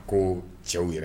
Ko cɛw yɛrɛ